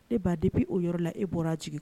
E baa di bɛ' o yɔrɔ la e bɔra jigin